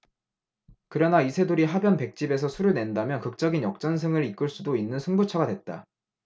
그러나 이세돌이 하변 백집에서 수를 낸다면 극적인 역전승을 이끌 수도 있는 승부처가 됐다